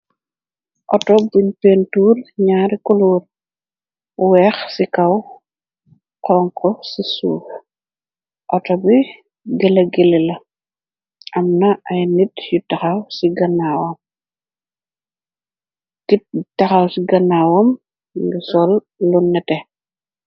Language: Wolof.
Auto buñ pentuur ñaari kulóor bu weeh ci kaw honku ci suuf. Auto bi gèlè-gèlè la. Amna ay nit yu tahaw ci gannawam. Ki tahaw ci gannawam mungi sol lu nètè.